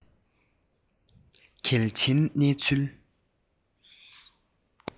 གལ ཆེན གནས ལུགས